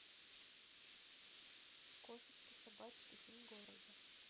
кошечки собачки день города